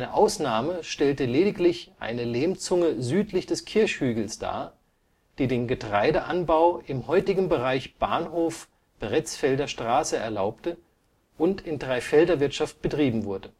Ausnahme stellte lediglich eine Lehmzunge südlich des Kirchhügels dar, die den Getreideanbau im heutigen Bereich Bahnhof/Pretzfelder Straße erlaubte und in Dreifelderwirtschaft betrieben wurde